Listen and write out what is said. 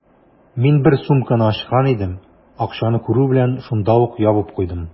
Мин бер сумканы ачкан идем, акчаны күрү белән, шунда ук ябып куйдым.